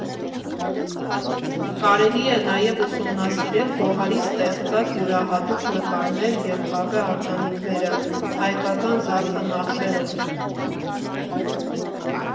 Կարելի է նաև ուսումնասիրել Գոհարի ստեղծած յուրահատուկ նկարներ և կավե արձանիկները հայկական զարդանախշերով։